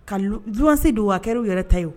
Ka jse don wakariraww yɛrɛ ta ye